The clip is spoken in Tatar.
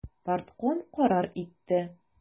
Партком карар итте.